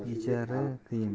etik yechari qiyin